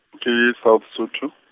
ke South Sotho.